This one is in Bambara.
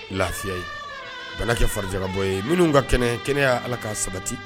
Lafiya bana kɛ farajarabɔ ye minnu ka kɛnɛ kɛnɛ y' ala ka sabati